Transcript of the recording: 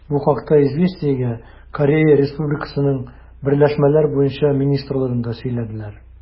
Бу хакта «Известия»гә Корея Республикасының берләшмәләр буенча министрлыгында сөйләделәр.